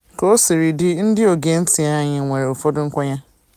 Ka o siri dị, ndị ogee ntị anyị nwere ụfọdụ nkwenye...